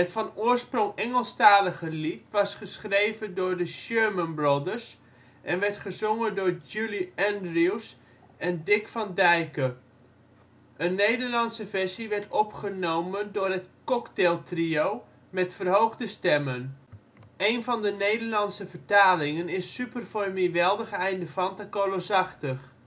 van oorsprong Engelstalige lied was geschreven door de Sherman Brothers en werd gezongen door Julie Andrews en Dick Van Dyke. Een Nederlandse versie werd opgenomen door het Cocktail Trio (met verhoogde stemmen). Een van de Nederlandse vertalingen is Superformiweldigeindefantakolosachtig